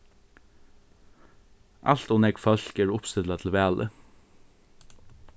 alt ov nógv fólk eru uppstillað til valið